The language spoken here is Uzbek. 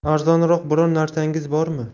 arzonroq biror narsangiz bormi